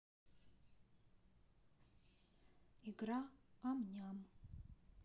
игра ам ням